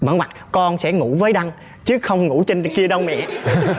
con sẽ ngủ với đăng chứ không ngủ trên kia đâu mẹ